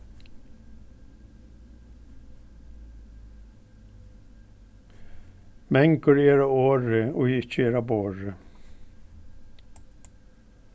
mangur er á orði ið ikki er á borði